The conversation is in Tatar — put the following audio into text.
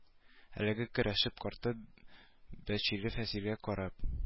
Әлеге керәшен карты бәчели фасилгә карап